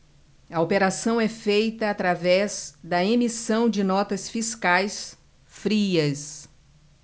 a operação é feita através da emissão de notas fiscais frias